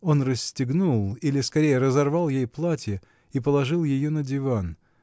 Он расстегнул, или, скорее, разорвал ей платье и положил ее на диван.